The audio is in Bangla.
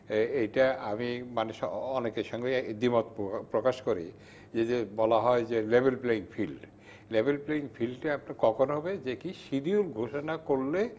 এইটা আমি মানে অনেকের সঙ্গে দ্বিমত প্রকাশ করি যে যে বলা হয় যে level playing field level playing field টা আপনি কখন হবে যে সিডিউল ঘোষণা করলে